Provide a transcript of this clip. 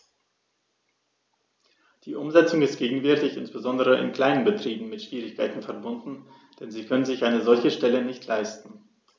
Die Umsetzung ist gegenwärtig insbesondere in kleinen Betrieben mit Schwierigkeiten verbunden, denn sie können sich eine solche Stelle nicht leisten.